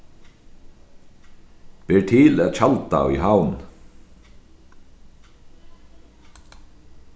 ber til at tjalda í havn